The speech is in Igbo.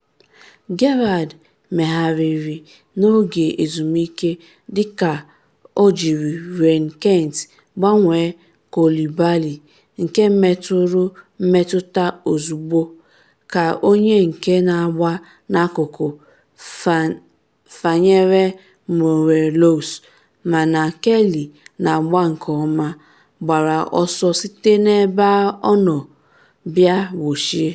Gerrard megharịrị na oge ezumike dị ka o jiri Ryan Kent gbanwee Coulibaly nke metụrụ mmetụta ozugbo, ka onye nke na-agba n’akụkụ fanyere Morelos mana Kelly na-agba nke ọma gbara ọsọ site na ebe ọ nọ bịa gbochie.